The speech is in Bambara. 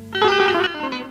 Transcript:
Nse